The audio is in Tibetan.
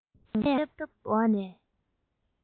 ང ཡང ལྕགས ཐབ འོག ནས